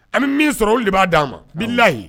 An bɛ min sɔrɔ olu de b'a d'an ma billahi !